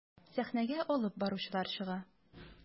Сәхнәгә алып баручылар чыга.